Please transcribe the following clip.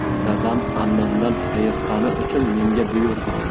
dadam ammamdan hayiqqani uchun menga buyurdi